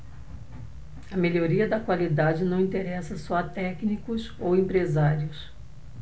a melhoria da qualidade não interessa só a técnicos ou empresários